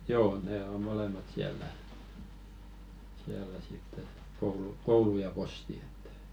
joo ne on molemmat siellä siellä sitten että koulu koulu ja posti että